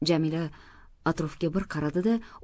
jamila atrofga bir qaradi da